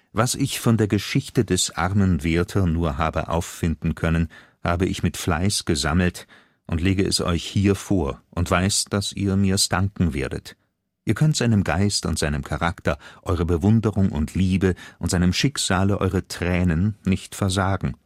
Was ich von der Geschichte des armen Werther nur habe auffinden können, habe ich mit Fleiß gesammelt, und lege es euch hier vor, und weiß, daß ihr mir’ s danken werdet. Ihr könnt seinem Geist und seinem Charakter eure Bewunderung und Liebe und seinem Schicksale eure Tränen nicht versagen